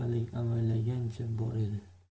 bunchalik avaylagancha bor edi